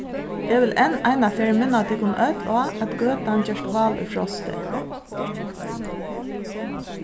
eg vil enn eina ferð minna tykkum øll á at gøtan gerst hál í frosti